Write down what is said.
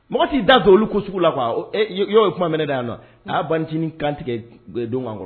Mɔgɔ t'i da don olu ko sugu la quoi i ye, i ye o kuma nɛn ne da yan , a y'a bancinin kan tigɛ o don an kɔrɔ!